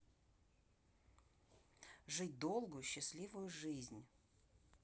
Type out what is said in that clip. жить долгую счастливую жизнь